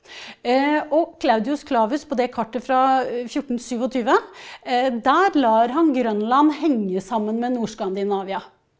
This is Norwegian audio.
og Claudius Clavus på det kartet fra fjortentjuesyv, der lar han Grønland henge sammen med Nord-Skandinavia.